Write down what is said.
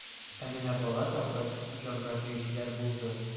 Ә менә бала тапкач, җанга тиючеләр булды.